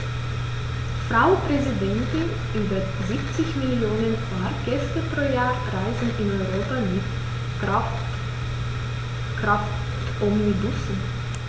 Frau Präsidentin, über 70 Millionen Fahrgäste pro Jahr reisen in Europa mit Kraftomnibussen.